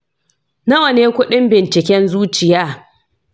nawa ne kudin binciken zuciya?